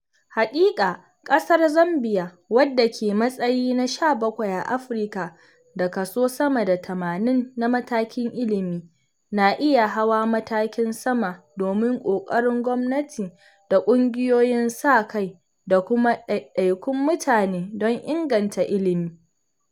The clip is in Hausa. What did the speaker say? Haƙiƙa, ƙasar Zambia, wadda ke matsayi na 17 a Afirka da kaso sama da 80 na matakin ilimi, na iya hawa matakin sama domin ƙoƙarin gwamnati da ƙungiyoyin sa-kai da kuma ɗaiɗaikun mutune don inganta ilimi.